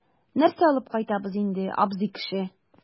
Нәрсә алып кайтабыз инде, абзый кеше?